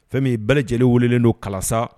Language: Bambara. Fɛn min bɛɛ lajɛlen welelen don kala